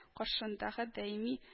Каршындагы даими